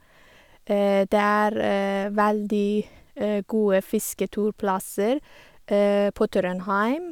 Det er veldig gode fisketurplasser på Trondheim.